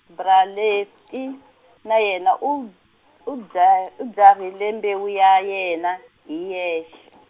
bra Lefty , na yena u, u byar- u byarhile mbewu ya yena, hi yexe.